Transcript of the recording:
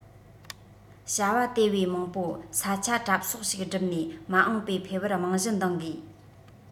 བྱ བ དེ བས མང བོ ས ཆ གྲབས གསོག ཞིག སྒྲུབ ནས མ འོངས བའི འཕེལ བར རྨང གཞི གདིང དགོས